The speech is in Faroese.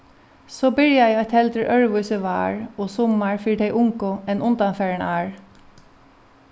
so byrjaði eitt heldur øðrvísi vár og summar fyri tey ungu enn undanfarin ár